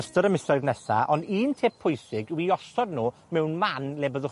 ystod y misoedd nesa. Ond un tip pwysig yw 'u osod nw mewn man le byddwch